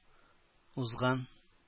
Узган